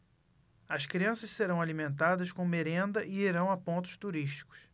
as crianças serão alimentadas com merenda e irão a pontos turísticos